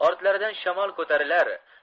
ortlaridan shamol ko'tarilar